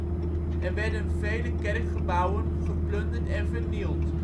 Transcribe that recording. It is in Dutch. en werden vele kerkgebouwen geplunderd en vernield